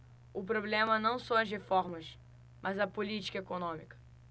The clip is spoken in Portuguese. o problema não são as reformas mas a política econômica